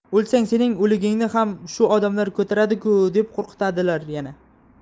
o'lsang sening o'ligingni ham shu odamlar ko'taradiku deb qo'rqitadilar yana